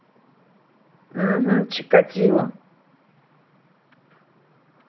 ага чикатило